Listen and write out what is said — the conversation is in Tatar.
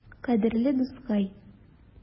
Кадерле дускай!